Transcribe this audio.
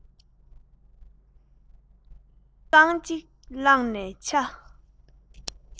འབུ རྐང གཅིག བླངས ནས འཆའ